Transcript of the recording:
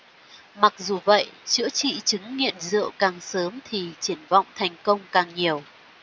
mặc dù vậy chữa trị chứng nghiện rượu càng sớm thì triển vọng thành công càng nhiều